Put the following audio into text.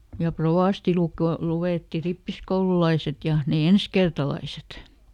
ja rovasti - luetti rippikoululaiset ja ne ensikertalaiset